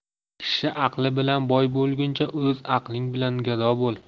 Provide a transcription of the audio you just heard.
kishi aqli bilan boy bo'lguncha o'z aqling bilan gado bo'l